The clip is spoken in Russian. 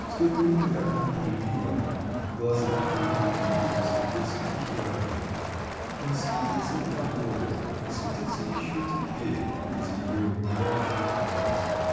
С той минуты, как она полюбила, в глазах и улыбке ее засветился тихий рай: он светился два года и светился еще теперь из ее умирающих глаз.